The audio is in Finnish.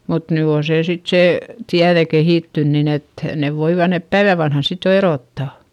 mutta nyt on se sitten se tiede kehittynyt niin että ne voivat ne päivän vanhana sitten jo erottaa